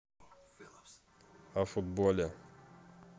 о футболе